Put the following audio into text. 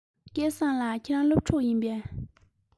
སྐལ བཟང ལགས ཁྱེད རང སློབ ཕྲུག ཡིན པས